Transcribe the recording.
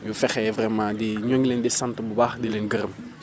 ñu fexe vraiment di ñu ngi leen di santbu baax di leen gërëm